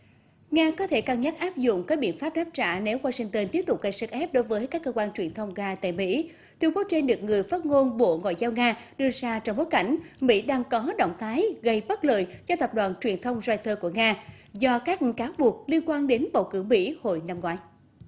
nga có thể cân nhắc áp dụng các biện pháp đáp trả nếu goa sinh tơn tiếp tục gây sức ép đối với các cơ quan truyền thông nga tại mỹ tuyên bố trên được người phát ngôn bộ ngoại giao nga đưa ra trong bối cảnh mỹ đang có động thái gây bất lợi cho tập đoàn truyền thông roai tơ của nga do các cáo buộc liên quan đến bầu cử mỹ hồi năm ngoái